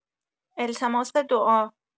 التماس دعا